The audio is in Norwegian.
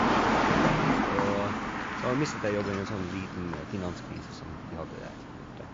Og så mistet jeg jobben i en sånn liten finanskrise som de hadde der borte.